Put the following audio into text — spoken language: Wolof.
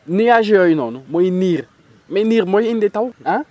nuages yooyu noonu mooy niir mais niir mooy indi taw ah